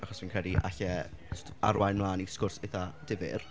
Achos fi'n credu alle arwain mlaen i sgwrs eithaf difyr.